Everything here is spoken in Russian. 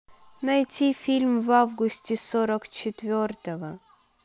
найти фильм в августе сорок четвертого